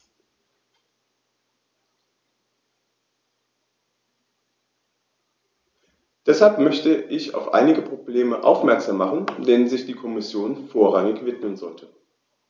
Deshalb möchte ich auf einige Probleme aufmerksam machen, denen sich die Kommission vorrangig widmen sollte.